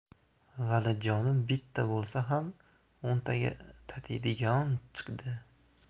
valijonim bitta bo'lsa ham o'ntaga tatiydigan chiqdi